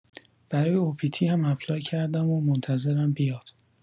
برای OPT هم اپلای کردم و منتظرم بیاد.